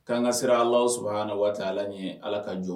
K'an ka siran ala sɔrɔ na waati ala ɲɛ ala ka jɔ